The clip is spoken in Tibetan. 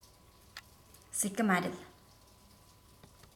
སྲིད གི མ རེད